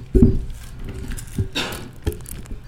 Wa yo